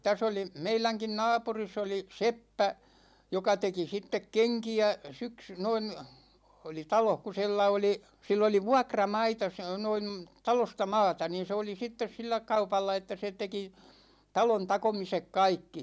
tässä oli meidänkin naapurissa oli seppä joka teki sitten kenkiä syksy noin oli talossa kun sillä oli sillä oli vuokramaita se noin talosta maata niin se oli sitten sillä kaupalla että se teki talon takomiset kaikki